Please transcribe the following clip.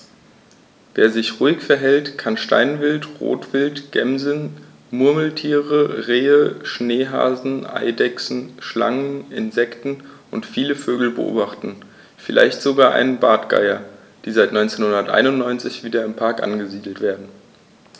Wer sich ruhig verhält, kann Steinwild, Rotwild, Gämsen, Murmeltiere, Rehe, Schneehasen, Eidechsen, Schlangen, Insekten und viele Vögel beobachten, vielleicht sogar einen der Bartgeier, die seit 1991 wieder im Park angesiedelt werden.